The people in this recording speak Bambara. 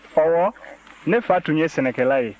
ɔwɔ ne fa tun ye sɛnɛkɛla ye